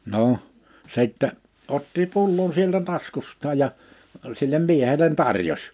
no sitten otti pullon sieltä taskustaan ja sille miehelle tarjosi